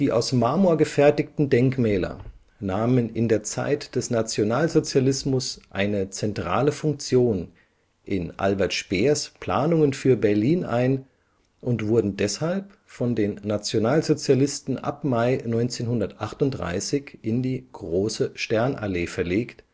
aus Marmor gefertigten Denkmäler nahmen in der Zeit des Nationalsozialismus eine zentrale Funktion in Albert Speers Planungen für Berlin ein und wurden deshalb von den Nationalsozialisten ab Mai 1938 in die Große Sternallee verlegt